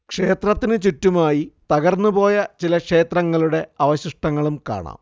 ക്ഷേത്രത്തിനു ചുറ്റുമായി തകർന്നുപോയ ചില ക്ഷേത്രങ്ങളുടെ അവശിഷ്ടങ്ങളും കാണാം